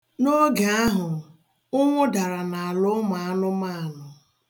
N'oge ahụ, ụnwụ dara n'ala ụmụanụmaanụ.